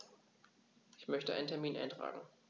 Ich möchte einen Termin eintragen.